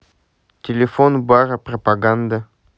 телефон бара пропаганда